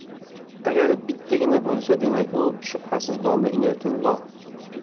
agar bittagina bo'lsa demak u shubhasiz domla inoyatullo